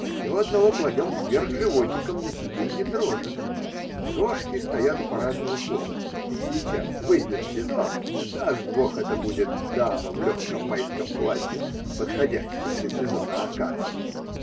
Еще одного кладем вверх животиком на сиденье дрожек: дрожки стоят у парадного входа, сейчас выйдет седок -- даст Бог, это будет дама в легком майском платье, подходящем для сезона акации.